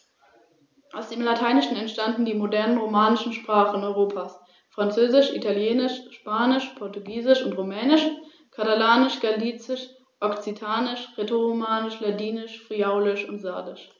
Im Biosphärenreservat Rhön wird versucht, die ohnehin schon starke regionale Identifikation der Bevölkerung gezielt für ein Regionalmarketing zu nutzen und regionaltypische Nutzungsformen und Produkte zu fördern.